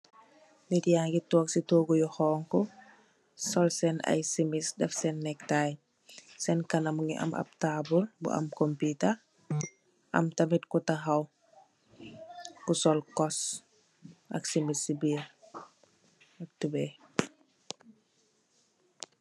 Nit ay ngi tóóg ci tóógu yu xonxu sol sèèn ay simis def sèèn nek tay, sèèn kanam mugii am ap tabull bu am kompita am tamit ku taxaw ku sol kos ak simis si biir tubay.